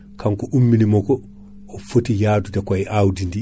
kanko ummi nimo ko o foti yadude koye awdidi